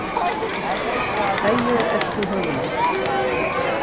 deyður ert tú høvuðleysur